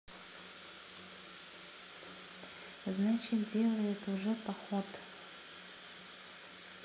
значит делает уже поход